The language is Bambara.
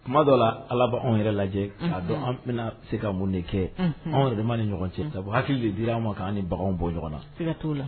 Kuma dɔ la Ala' anw yɛrɛ lajɛ ka dɔn an' bɛna se ka mun de kɛ unhun anw yɛrɛ damaw ni ɲɔgɔn cɛ sabu hakili de dira an' ma kan an' ni baganw bɔ ɲɔgɔn na siga t'o la